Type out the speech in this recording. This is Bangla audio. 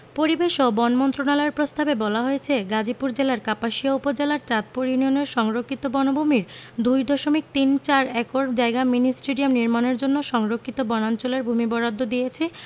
পরিবেশ ও বন মন্ত্রণালয়ের প্রস্তাবে বলা হয়েছে গাজীপুর জেলার কাপাসিয়া উপজেলার চাঁদপুর ইউনিয়নের সংরক্ষিত বনভূমির ২ দশমিক তিন চার একর জায়গা মিনি স্টেডিয়াম নির্মাণের জন্য সংরক্ষিত বনাঞ্চলের ভূমি বরাদ্দ দিয়েছে